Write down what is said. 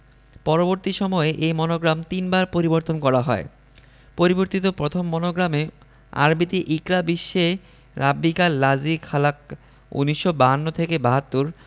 পরবর্তী সময়ে এ মনোগ্রাম তিনবার পরিবর্তন করা হয় পরিবর্তিত প্রথম মনোগ্রামে আরবিতে ইকরা বিস্মে রাবিবকাল লাজি খালাক্ক ১৯৫২ থেকে ৭২